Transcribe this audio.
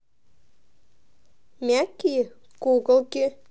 мягкие куколки